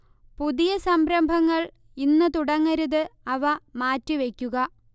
പുതിയ സംരംഭങ്ങൾ ഇന്ന് തുടങ്ങരുത് അവ മാറ്റിവയ്ക്കുക